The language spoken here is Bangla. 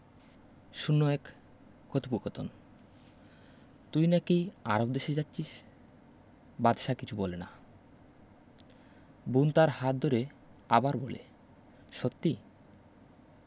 ০১কথোপকথন তুই নাকি আরব দেশে যাচ্ছিস বাদশা কিছু বলে না বোন তার হাত ধরে আবার বলে সত্যি